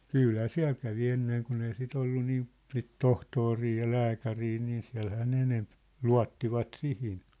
kyllähän siellä kävi ennen kun ei sitä ollut niin sitten tohtori ja lääkäri niin siellähän ne enempi luottivat siihen